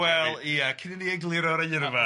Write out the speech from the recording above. Wel, ia, cyn i ni egluro'r eirfa.